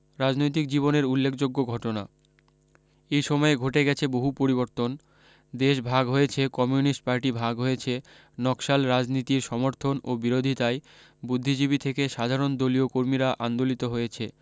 রাজনৈতিক জীবনের উল্লেখযোগ্য ঘটনা এই সময়ে ঘটে গেছে বহু পরিবর্তন দেশ ভাগ হয়েছে কমিউনিস্ট পার্টি ভাগ হয়েছে নকশাল রাজনীতির সমর্থন ও বিরোধিতায় বুদ্ধিজীবী থেকে সাধারণ দলীয় কর্মীরা আন্দোলিত হয়েছে